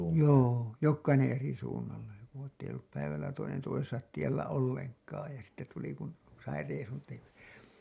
joo jokainen eri suunnalle että ei ollut päivällä toinen toisensa tiellä ollenkaan ja sitten tuli kun sai reissun tehdyksi